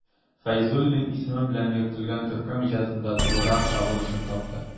Фәйзуллин исеме белән йөртелгән төркем иҗатында тулырак чагылышын тапты.